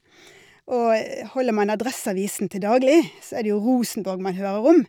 Og holder man Adresseavisen til daglig, så er det jo Rosenborg man hører om.